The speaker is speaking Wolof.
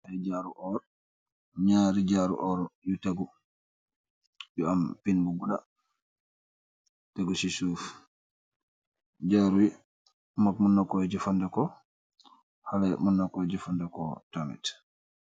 Aye jaaru Orr, nyari jaaru Orr yu tegu yu am pin bu guda tegu se suff, jaaru ye mag nun maku jefaneku , haleh mun naku jufaneku tamin .